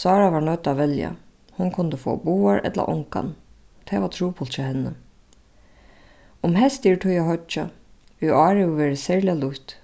sára var noydd at velja hon kundi fáa báðar ella ongan tað var trupult hjá henni um heystið er tíð at hoyggja í ár hevur verið serliga lýtt